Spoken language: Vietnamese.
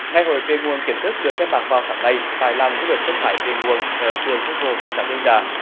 ngày hội về nguồn chính thức được khai mạc vào sáng nay tại làng du lịch sinh thái về nguồn ở phường hương hồ thị xã hương trà